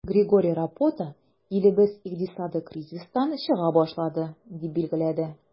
Григорий Рапота, илебез икътисады кризистан чыга башлады, дип билгеләде.